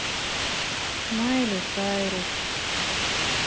майли сайрус